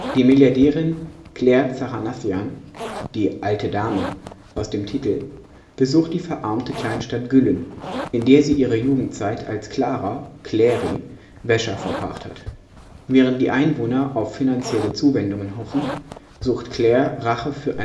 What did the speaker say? Die Milliardärin Claire Zachanassian, die „ alte Dame “aus dem Titel, besucht die verarmte Kleinstadt Güllen, in der sie ihre Jugendzeit als Klara („ Kläri “) Wäscher verbracht hat. Während die Einwohner auf finanzielle Zuwendungen hoffen, sucht Claire Rache für